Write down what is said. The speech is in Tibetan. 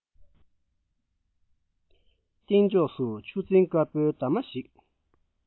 སྟེང ཕྱོགས སུ ཆུ འཛིན དཀར པོའི འདབ མ ཞིག